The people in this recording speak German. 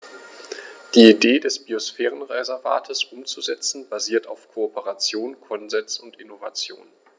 Die Idee des Biosphärenreservates umzusetzen, basiert auf Kooperation, Konsens und Innovation.